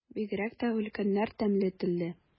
Бигрәк тә өлкәннәр тәмле телле.